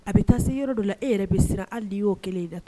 A bɛ taa se yɔrɔ dɔ la e yɛrɛ bɛ siran hali y'o kelen da to